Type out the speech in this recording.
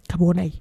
Ka bɔda yen